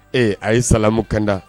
Ee a' ye samu kanda